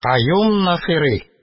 Каюм Насыйри